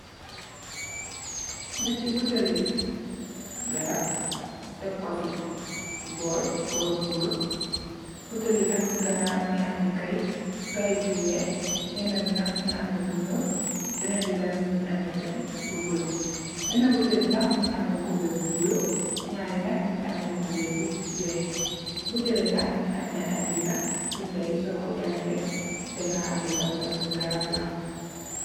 Nyate botele garab nu tek ku se bool bool bu bulo botel ye nak se ganaw nuge ameh keyete keyete yu weex bena be nak nuge ameh bu nuul benen tamin muge ameh tamin lu bulo bena botel be muge ameh kuberr bu bulo nyarr ye nak nuge ameh kuberr bu weex botel ye nak muge ameh aye beda beda ye soku jange daga ham le ban fosunge garab la.